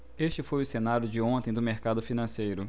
este foi o cenário de ontem do mercado financeiro